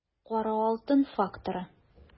Кара алтын факторы